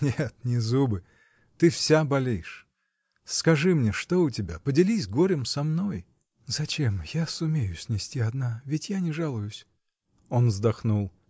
— Нет, не зубы — ты вся болишь; скажи мне. что у тебя? Поделись горем со мной. — Зачем? я сумею снести одна. Ведь я не жалуюсь. Он вздохнул.